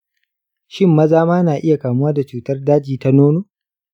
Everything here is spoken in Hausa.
shin maza ma na iya kamuwa da cutar daji ta nono ?